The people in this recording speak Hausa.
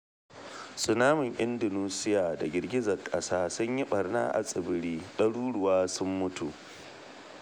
Tsunamin Indonesiya da Girgizar ƙasa sun yi ɓarna a Tsibiri, Ɗaruruwa Sun Mutu